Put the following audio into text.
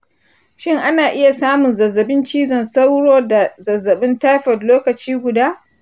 shin ana iya samun zazzabin cutar cizon sauro da zazzabin taifot lokaci guda?